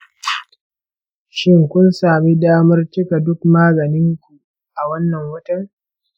shin, kun sami damar cika duk maganin ku a wannan watan?